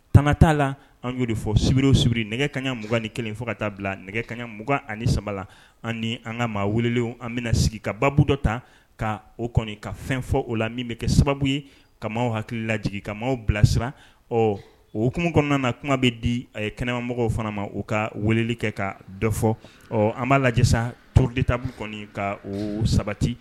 Tanga t'a la an'o fɔ sibiriwurbiri nɛgɛkanɲayaugan ni kelen fo ka taa bila nɛgɛ kaɲa 2ugan ani sama ani an ka maa wele an bɛna sigi ka baabu dɔ ta ka o kɔni ka fɛn fɔ o la min bɛ kɛ sababu ye ka hakili la ka bilasira ɔ ok kɔnɔna na kuma bɛ di a ye kɛnɛmamɔgɔw fana ma u ka weleli kɛ ka dɔ fɔ ɔ an b' lajɛsa todita kɔni ka o sabati